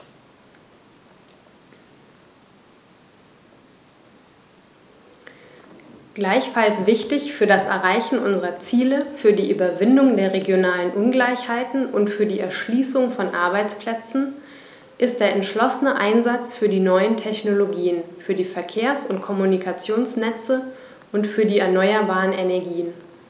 Gleichfalls wichtig für das Erreichen unserer Ziele, für die Überwindung der regionalen Ungleichheiten und für die Erschließung von Arbeitsplätzen ist der entschlossene Einsatz für die neuen Technologien, für die Verkehrs- und Kommunikationsnetze und für die erneuerbaren Energien.